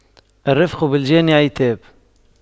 الرفق بالجاني عتاب